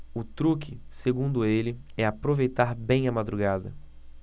o truque segundo ele é aproveitar bem a madrugada